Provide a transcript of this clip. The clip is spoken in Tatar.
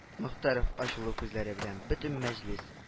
Мохтаров ачулы күзләре белән бөтен мәҗлес